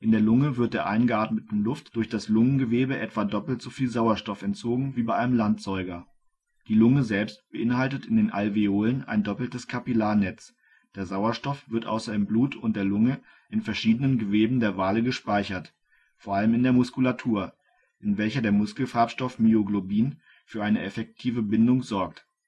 der Lunge wird der eingeatmeten Luft durch das Lungengewebe etwa doppelt soviel Sauerstoff entzogen wie bei einem Landsäuger. Die Lunge selbst beinhaltet in den Alveolen ein doppeltes Kapillarnetz, der Sauerstoff wird außer im Blut und der Lunge in verschiedenen Geweben der Wale gespeichert, vor allem in der Muskulatur, in welcher der Muskelfarbstoff Myoglobin für eine effektive Bindung sorgt